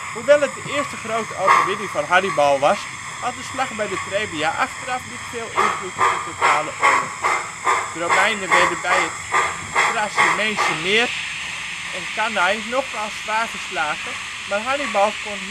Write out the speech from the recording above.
het de eerste grote overwinning van Hannibal was had de slag bij de Trebia achteraf niet veel invloed op de totale oorlog. De Romeinen werden bij het Trasimeense meer en Cannae nogmaals zwaar verslagen, maar Hannibal kon